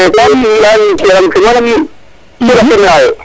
*